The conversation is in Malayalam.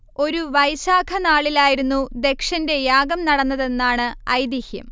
ഒരു വൈശാഖ നാളിലായിരുന്നു ദക്ഷന്റെ യാഗം നടന്നതെന്നാണ് ഐതിഹ്യം